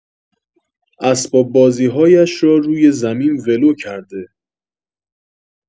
اسباب بازی‌هایش را روی زمین ولو کرده